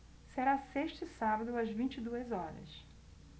será sexta e sábado às vinte e duas horas